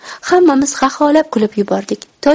hammamiz xaxolab kulib yubordik